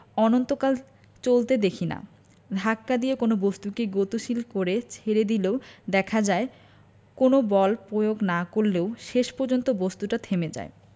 অনন্তকাল চলতে দেখি না ধাক্কা দিয়ে কোনো বস্তুকে গতিশীল করে ছেড়ে দিলেও দেখা যায় কোনো বল পয়োগ না করলেও শেষ পর্যন্ত বস্তুটা থেমে যায়